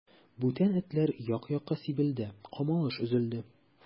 Бүтән этләр як-якка сибелде, камалыш өзелде.